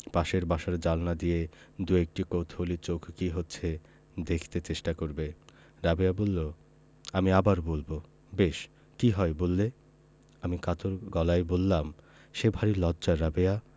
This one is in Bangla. পাশের বাসার জানালা দিয়ে দুএকটি কৌতুহলী চোখ কি হচ্ছে দেখতে চেষ্টা করবে রাবেয়া বললো আমি আবার বলবো বেশ কি হয় বললে আমি কাতর গলায় বললাম সে ভারী লজ্জা রাবেয়া